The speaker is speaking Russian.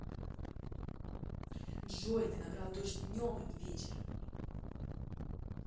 джой ты набрал дождь днем а не вечером